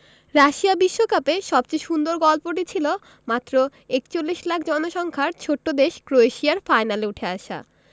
Russia বিশ্বকাপে সবচেয়ে সুন্দর গল্পটি ছিল মাত্র ৪১ লাখ জনসংখ্যার ছোট্ট দেশ ক্রোয়েশিয়ার ফাইনালে উঠে আসা